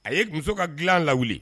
A ye muso ka dilan la